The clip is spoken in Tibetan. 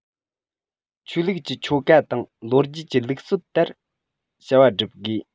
ཆོས ལུགས ཀྱི ཆོ ག དང ལོ རྒྱུས ཀྱི ལུགས སྲོལ ལྟར བྱ བ བསྒྲུབ དགོས